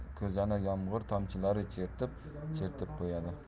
ko'zani yomg'ir tomchilari chertib chertib qo'yadi